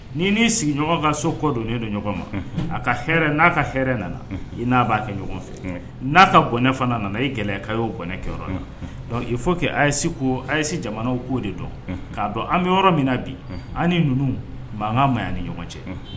N'i n'i sigiɲɔgɔn ka so kɔ don ne don ɲɔgɔn ma a kaɛ n'a ka hɛrɛɛ nana i n'a b'a kɛ ɲɔgɔn fɛ n'a ka gɛ fana nana i gɛlɛya ka'ɔnɛ kɛ yɔrɔ i fɔ' ayi ko ayi yese jamana' o de dɔn k'a dɔn an bɛ yɔrɔ min na bi an ni ninnu mankan an ka ma ni ɲɔgɔn cɛ